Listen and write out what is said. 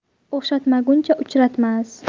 o'xshatmaguncha uchratmas